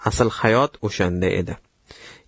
asl hayot o'shanda edi